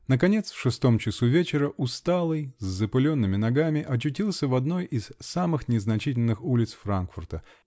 наконец, в шестом часу вечера, усталый, с запыленными ногами, очутился в одной из самых незначительных улиц Франкфурта.